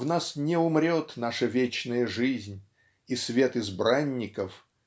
в нас не умрет наша вечная жизнь и свет избранников